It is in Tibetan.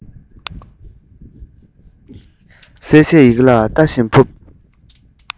ཡུལ སྐོར བའི སྟབས བདེའི གུར